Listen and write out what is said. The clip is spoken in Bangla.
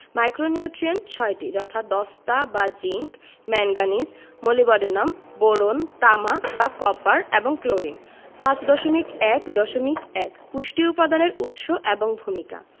মাইক্রোনিউট্রিয়েন্ট ৬টি যথা দস্তা বা জিংক ম্যাংগানিজ মোলিবডেনাম বোরন তামা বা কপার এবং ক্লোরিন 5.1.1 পুষ্টি উপাদানের উৎস এবং ভূমিকা